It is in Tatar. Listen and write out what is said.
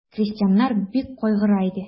Крестьяннар бик кайгыра иде.